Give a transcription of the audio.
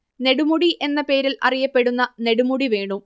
നെടുമുടി എന്ന പേരിൽ അറിയപ്പെടുന്ന നെടുമുടി വേണു